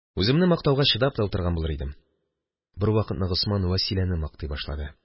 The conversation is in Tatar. Үземне мактауга чыдап та утырган булыр идем, бервакытны Госман Вәсиләне мактый башлады: